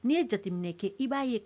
Ni ye jateminɛ kɛ i ba ye